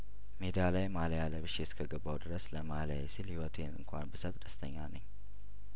ሜዳ ላይ ማሊያ ለብሼ እስከገባሁ ድረስ ለማሊያዬ ስል ህይወቴን እንኳን ብሰጥ ደስተኛ ነኝ